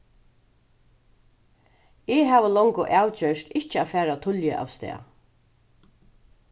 eg havi longu avgjørt ikki at fara tíðliga avstað